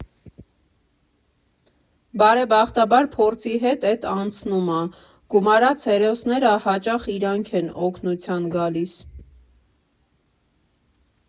Բարեբախտաբար, փորձի հետ էդ անցնում ա, գումարած՝ հերոսները հաճախ իրանք են օգնության գալիս։